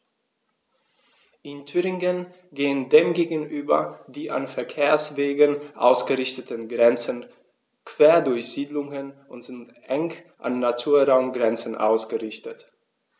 In Thüringen gehen dem gegenüber die an Verkehrswegen ausgerichteten Grenzen quer durch Siedlungen und sind eng an Naturraumgrenzen ausgerichtet.